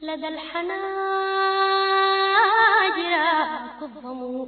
Tile le